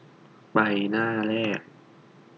ไปหน้าแรก